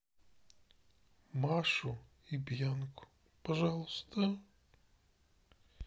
машу и бьянку пожалуйста